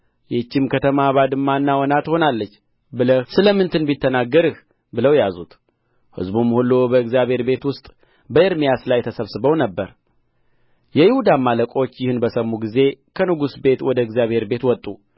ይህችም ከተማ ባድማና ወና ትሆናለች ብለህ ስለ ምን ትንቢት ተናገርህ ብለው ያዙት ሕዝቡም ሁሉ በእግዚአብሔር ቤት ውስጥ በኤርምያስ ላይ ተሰብስበው ነበር የይሁዳም አለቆች ይህን በሰሙ ጊዜ ከንጉሥ ቤት ወደ እግዚአብሔር ቤት ወጡ